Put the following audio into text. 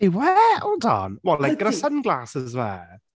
Yw e? Hold on... Ydy... What, like gyda sunglasses fe?